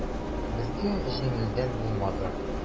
Безгә җиңелдән булмады.